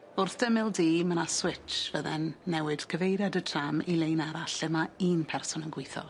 Wrth d' ymil di ma' 'na switsh fydden newid cyfeiriad y tram i lein arall lle ma' un person yn gweitho.